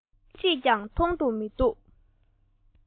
རྐང རྗེས ཀྱང མཐོང དུ མི འདུག